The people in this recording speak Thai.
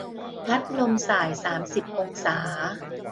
พัดลมส่ายสามสิบองศา